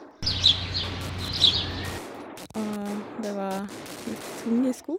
Og det var litt tunge sko.